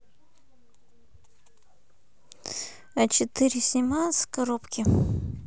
а четыре снимает с коробки